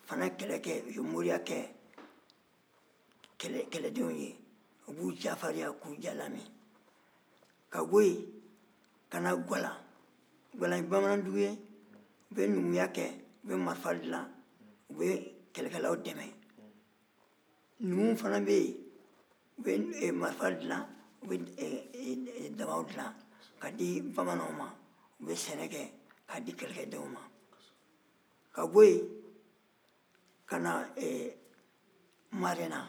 u fana ye kɛlɛ kɛ u ye mɔriya kɛ kɛlɛdenw ye u b'u ja farinya k'u ja lamin ka bɔ yen ka na guwalan guwalan ye bamanandugu ye u bɛ numuya kɛ u bɛ marifa dilan u bɛ kɛlɛkɛlaw dɛmɛ numuw fana bɛ yen u bɛ marifa dilan u bɛ dabaw dila k'a di sɛnɛkɛlaw u bɛ sɛnɛ kɛ k'a di kɛlɛkɛlaw ma ka bɔ yen ka na ɛ marena